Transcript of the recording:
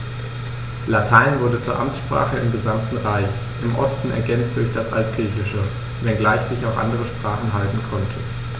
Latein wurde zur Amtssprache im gesamten Reich (im Osten ergänzt durch das Altgriechische), wenngleich sich auch andere Sprachen halten konnten.